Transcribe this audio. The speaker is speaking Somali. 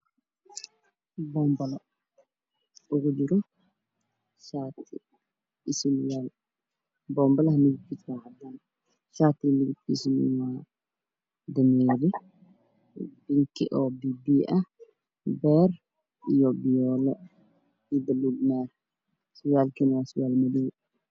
Waxaa ii muuqda boombaro midabkiisii hay haddaan waxaa suran shati is yahay dameeray beer caddaan qaxwi darbiga waa caddaan